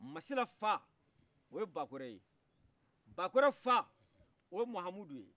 masila fa oye bakɔrɛ ye bakɔrɛ fa o ye muhamudu